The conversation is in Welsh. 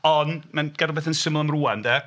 Ond mae'n cadw pethau yn syml am rŵan de.